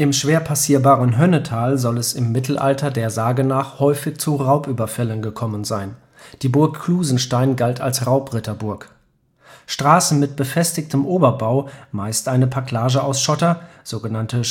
schwer passierbaren Hönnetal soll es im Mittelalter der Sage nach häufig zu Raubüberfällen gekommen sein; die Burg Klusenstein galt als „ Raubritterburg “. Straßen mit befestigtem Oberbau – meist eine Packlage aus Schotter –, sogenannte Chausseen